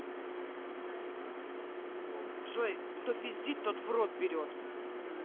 джой кто пиздит тот в рот берет